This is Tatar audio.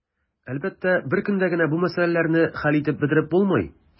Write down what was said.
Әлбәттә, бер көндә генә бу мәсьәләләрне хәл итеп бетереп булмый.